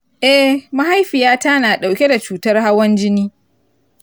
eh, mahaifiyata na ɗauke da cutar hawa-jini